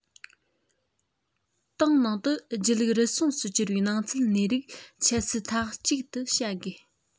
ཏང ནང དུ སྒྱིད ལུག རུལ སུངས སུ གྱུར པའི སྣང ཚུལ གནས རིགས ཁྱད བསད མཐའ གཅིག ཏུ བྱ དགོས